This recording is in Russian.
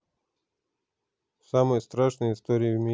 самые страшные истории в мире